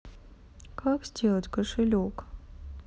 как сделать кошелек